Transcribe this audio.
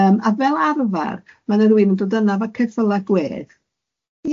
Yym a fel arfar ma' 'na rywun yn dod yna efo ceffyla gwedd.